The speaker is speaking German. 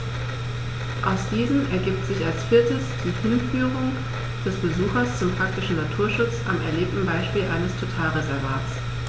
Aus diesen ergibt sich als viertes die Hinführung des Besuchers zum praktischen Naturschutz am erlebten Beispiel eines Totalreservats.